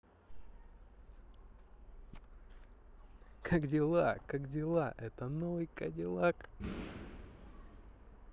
как дела как дела это новый кадиллак